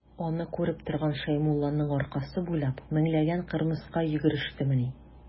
Аны күреп торган Шәймулланың аркасы буйлап меңләгән кырмыска йөгерештемени.